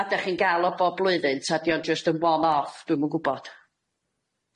A dach chi'n ga'l o bob blwyddyn ta di o'n jyst yn one off dwi'm yn gwbod? Dioch.